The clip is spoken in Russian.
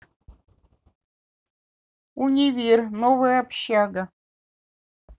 универ новая общага